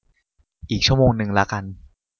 อีกชั่วโมงนึงละกัน